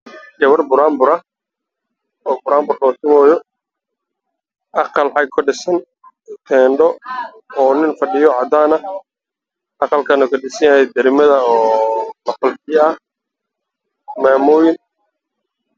Waa naago hor fadhiyaan aqal hoori